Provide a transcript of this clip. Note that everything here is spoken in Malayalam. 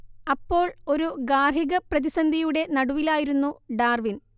അപ്പോൾ ഒരു ഗാർഹിക പ്രതിസന്ധിയുടെ നടുവിലായിരുന്നു ഡാർവിൻ